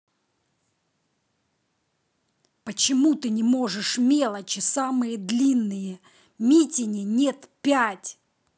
почему ты не можешь мелочи самые длинные митине нет пять